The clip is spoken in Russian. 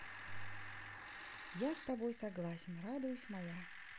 я с тобой согласен радуюсь моя